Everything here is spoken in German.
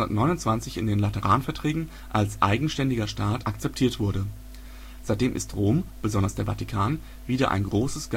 1929 in den Lateranverträgen als eigenständiger Staat akzeptiert wurde. Seitdem ist Rom, besonders der Vatikan, wieder ein großes